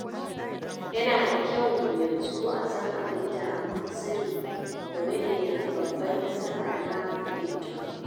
Yana da kyau yanzu a san abin da muka sani game da babban nasara na Paddington."